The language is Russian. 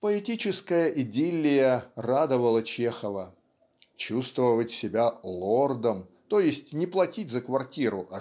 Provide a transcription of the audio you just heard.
Поэтическая идиллия радовала Чехова; чувствовать себя "лордом", т. е. не платить за квартиру